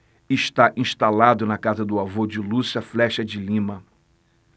está instalado na casa do avô de lúcia flexa de lima